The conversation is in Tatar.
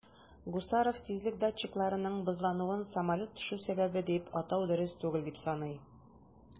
Гусаров тизлек датчикларының бозлануын самолет төшү сәбәбе дип атау дөрес түгел дип саный.